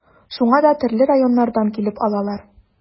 Шуңа да төрле районнардан килеп алалар.